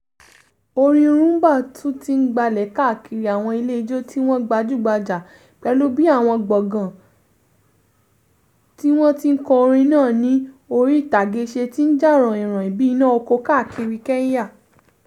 Orin Rhumba tún ti ń gbalẹ̀ káàkiri àwọn ilé-ijó tí wọ́n gbajúgbajà pẹ̀lú bí àwọn gbọ̀ngán tí wọ́n ti ń kọ orin náà ní orí ìtàgé ṣe ti ń jà ròhìnròhìn bíi iná oko káàkiri Kenya.